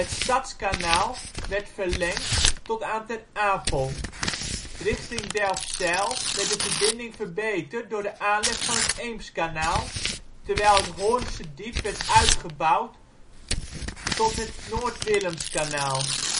Stadskanaal werd verlengd tot aan Ter Apel. Richting Delfzijl werd de verbinding verbeterd door de aanleg van het Eemskanaal, terwijl het Hoornsediep werd uitgebouwd tot het Noord-Willemskanaal. De uitleg